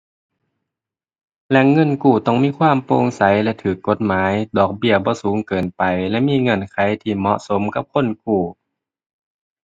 แหล่งเงินกู้ต้องมีความโปร่งใสและถูกกฎหมาย ดอกเบี้ยบ่สูงเกินไป และมีเงื่อนไขที่เหมาะสมกับคนกู้